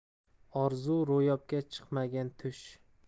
orzu ro'yobga chiqmagan tush